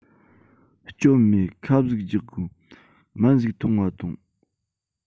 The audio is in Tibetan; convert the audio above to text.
སྐྱོན མེད ཁབ ཟིག རྒྱག དགོ སྨན ཟིག ཐུངས ང ཐོངས